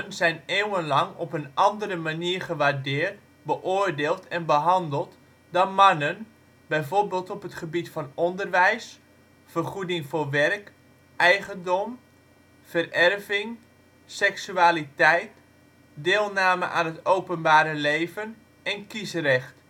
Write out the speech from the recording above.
zijn eeuwenlang op een andere manier gewaardeerd, beoordeeld en behandeld dan mannen, bijvoorbeeld op het gebied van onderwijs, vergoeding voor werk, eigendom, vererving, seksualiteit, deelname aan het openbare leven en kiesrecht